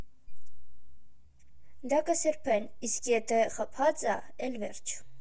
Դա կսրբես, իսկ եթե խփած ա՝ էլ վերջ։